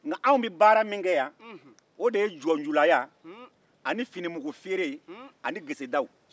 anw bɛ min kɛ yan o de ye jɔnjulaya o ni finimugufeere ani gesedaw